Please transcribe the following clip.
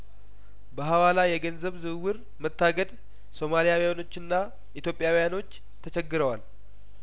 በሀዋላ የገንዘብ ዝውውር መታገድ ሶማሊያዊ ያኖችና ኢትዮጵያውያኖች ተቸግረዋል